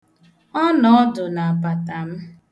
Ọ nọ ọdụ n' apata m.